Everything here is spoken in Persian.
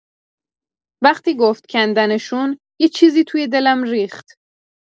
وقتی گفت «کندنشون»، یه چیزی توی دلم ریخت.